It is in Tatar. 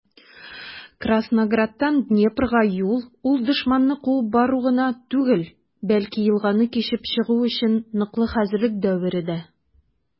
Краснограддан Днепрга юл - ул дошманны куып бару гына түгел, бәлки елганы кичеп чыгу өчен ныклы хәзерлек дәвере дә.